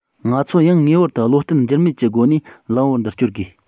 ང ཚོ ཡང ངེས པར དུ བློ བརྟན འགྱུར མེད ཀྱི སྒོ ནས ལམ བུ འདིར བསྐྱོད དགོས